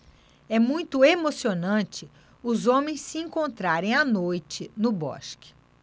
é muito emocionante os homens se encontrarem à noite no bosque